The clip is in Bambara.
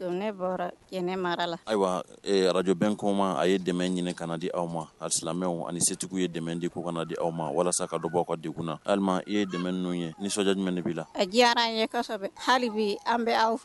Ne la ayiwa araj bɛ kɔma a ye dɛmɛ ɲin kana na di aw ma ali silamɛmɛ ani setigiw ye dɛmɛ di ko di aw ma walasa ka don bɔ aw ka di kunna hali i ye dɛ ninnu ye ni nisɔndiya jumɛn de b' la diyara ɲɛ hali bi an bɛ aw fɛ